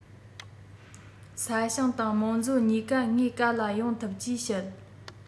ས ཞིང དང རྨོན མཛོ གཉིས ཀ ངས ག ལ ཡོང ཐུབ ཅེས བཤད